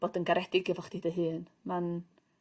bod yn garedig efo chdi dy hun. Ma'n